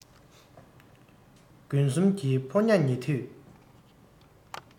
དགུན གསུམ གྱི ཕོ ཉ ཉེ དུས